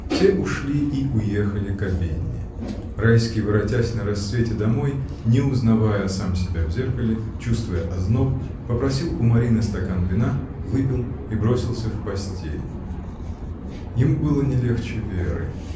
Все ушли и уехали к обедне. Райский, воротясь на рассвете домой, не узнавая сам себя в зеркале, чувствуя озноб, попросил у Марины стакан вина, выпил и бросился в постель. Ему было не легче Веры.